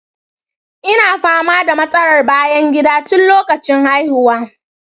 ina fama da matsalar bayan gida tun lokacin haihuwa.